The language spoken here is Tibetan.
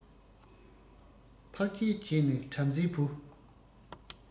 འཕགས རྒྱལ གྱི ནི བྲམ ཟེའི བུ